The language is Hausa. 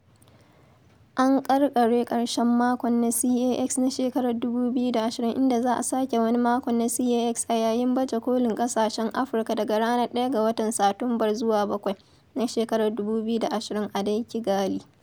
An ƙarƙare ƙarshen makon na CAX na shekarar 2020, inda za a sake wani makon na CAX a yayin baje kolin ƙasashen Afirka daga ranar 1 ga watan Satumbar zuwa 7 , na shekarar 2020 a dai Kigali.